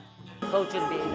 khâu chuẩn bị